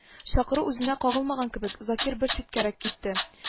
Чакыру үзенә кагылмаган кебек Закир бер читкәрәк китте